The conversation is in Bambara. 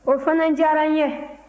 o fana diyara n ye